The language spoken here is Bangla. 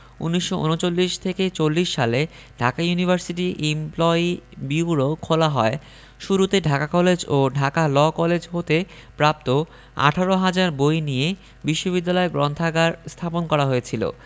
১৯৩৯ ৪০ সালে ঢাকা ইউনিভার্সিটি ইমপ্লয়ি বিউরো খোলা হয় শুরুতে ঢাকা কলেজ ও ঢাকা ল কলেজ হতে প্রাপ্ত ১৮ হাজার বই নিয়ে বিশ্ববিদ্যালয় গ্রন্থাগার স্থাপন করা হয়েছিল